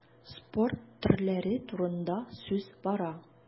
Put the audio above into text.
Спорт төрләре турында сүз бара.